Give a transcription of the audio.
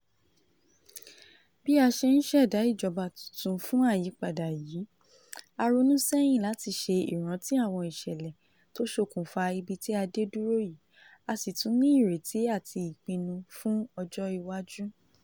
Bí a ṣe n ṣẹ̀da ìjọba túntun fún àyípadà yìí, a ronú sẹ́yìn láti ṣe ìránti àwọn ìṣẹ̀lẹ̀ tó sokùnfà ibi tí a dé dúró yìí, a sì tún ní ìrètí àti ìpinnú fún ọjọ́ iwájú.